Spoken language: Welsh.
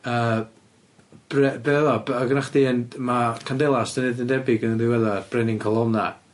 Yy bre- be' o'dd o by- o' gynnoch chdi yn d- ma' Candelas 'di neud un debyg yn ddiweddar Brenin Calonna.